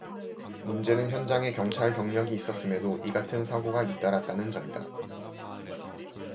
문제는 현장에 경찰병력이 있었음에도 이 같은 사고가 잇따랐다는 점이다